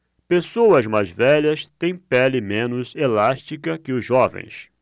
pessoas mais velhas têm pele menos elástica que os jovens